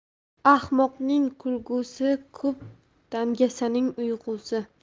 ahmoqning kulgusi ko'p dangasaning uyqusi